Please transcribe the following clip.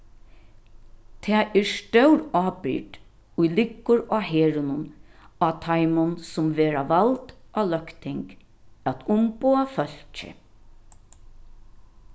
tað er stór ábyrgd ið liggur á herðunum á teimum sum verða vald á løgting at umboða fólkið